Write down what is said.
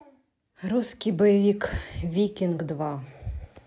русский боевик викинг два